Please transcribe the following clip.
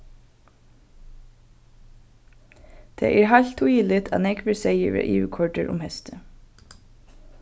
tað er heilt týðiligt at nógvir seyðir verða yvirkoyrdir um heystið